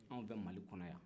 anw fɛ mali kɔnɔ yan